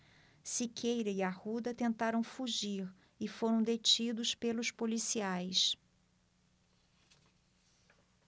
siqueira e arruda tentaram fugir e foram detidos pelos policiais